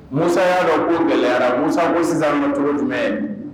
Mu y'a dɔn ko gɛlɛyara musa ko sisan nat jumɛn